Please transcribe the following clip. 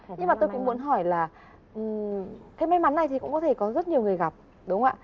nhưng mà tôi cũng muốn hỏi là ừm cái may mắn này thì cũng có thể có rất nhiều người gặp đúng không ạ